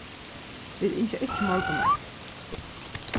vit ynskja ikki morgunmat